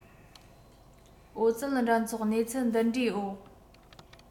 ཨོ རྩལ འགྲན ཚོགས གནས ཚུལ འདི འདྲའི འོག